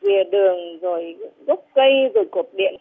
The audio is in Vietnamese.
rìa đường rồi gốc cây rồi cột điện